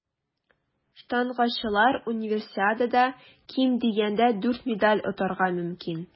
Штангачылар Универсиадада ким дигәндә дүрт медаль отарга мөмкин.